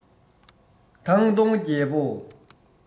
ཐང སྟོང རྒྱལ བོ